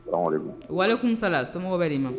Wali kunsala somɔgɔw bɛ de nɔ